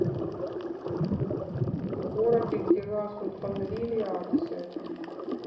в городе где гаснут фонари реакция